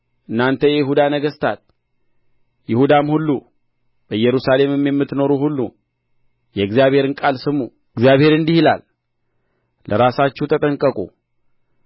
እናንተ የይሁዳ ነገሥታት ይሁዳም ሁሉ በኢየሩሳሌምም የምትኖሩ ሁሉ የእግዚአብሔርን ቃል ስሙ እግዚአብሔር እንዲህ ይላል ለራሳችሁ ተጠንቀቁ